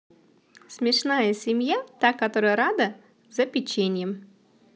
смешная семья та которая рада за печеньем